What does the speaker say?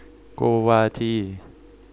โกวาจี